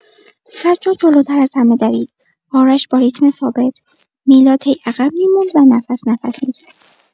سجاد جلوتر از همه دوید، آرش با ریتم ثابت، میلاد هی عقب می‌موند و نفس‌نفس می‌زد.